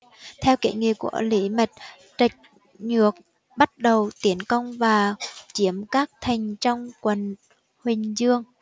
theo khuyến nghị của lý mật trạch nhượng bắt đầu tiến công và chiếm các thành trong quận huỳnh dương